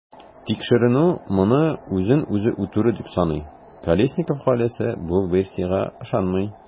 Тикшеренү моны үзен-үзе үтерү дип саный, Колесников гаиләсе бу версиягә ышанмый.